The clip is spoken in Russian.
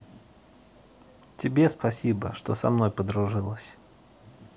тебе спасибо что со мной подружилась